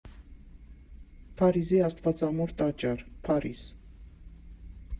Փարիզի Աստվածամոր տաճար, Փարիզ։